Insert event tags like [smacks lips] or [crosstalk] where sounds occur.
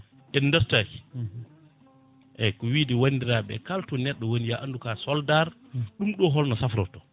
en dartaki [smacks lips] eyyi ko wiide wandiraɓe kala to neɗɗo woni ya andu ka soldar ɗum ɗo holno safrorto